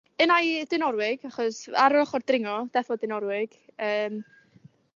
unai Dinorwig achos ar yr ochor dringo deffo Dinorwig yym